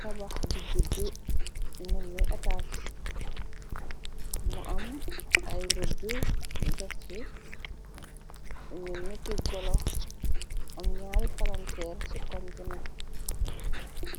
Tabax bi gudd umeni etafs mu am ay rëdde mi darsi imeni ki golox am ñaari palanteer ci kondi ne